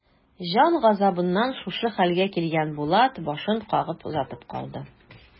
Җан газабыннан шушы хәлгә килгән Булат башын кагып озатып калды.